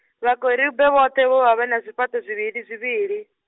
Vhakerube vhoṱhe vho vha vhena zwifhaṱo zwivhilizwivhili.